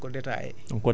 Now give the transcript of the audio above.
loo koy conseillé